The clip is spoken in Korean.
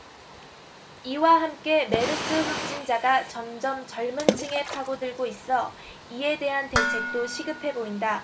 이와 함께 메르스 확진자가 점점 젊은 층에 파고들고 있어 이에 대한 대책도 시급해 보인다